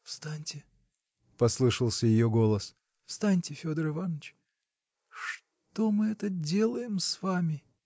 -- Встаньте, -- послышался ее голос, -- встаньте, Федор Иваныч. Что мы это делаем с вами?